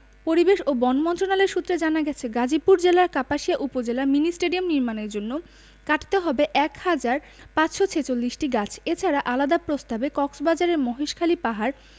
পরিবেশ ও বন মন্ত্রণালয় সূত্রে জানা গেছে গাজীপুর জেলার কাপাসিয়া উপজেলায় মিনি স্টেডিয়াম নির্মাণের জন্য কাটতে হবে এক হাজার ৫৪৬টি গাছ এছাড়া আলাদা প্রস্তাবে কক্সবাজারের মহেশখালীর পাহাড়